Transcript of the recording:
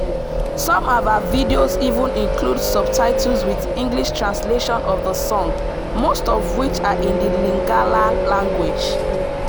Some of her videos even include subtitles with English translations of the songs most of which are in the Lingala language.